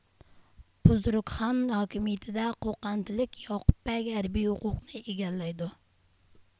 بۇزرۇكخان ھاكىمىيىتىدە قوقەنتلىك ياقۇپبەگ ھەربىي ھوقۇقنى ئىگىلەيدۇ